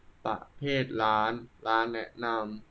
ประเภทร้านร้านแนะนำ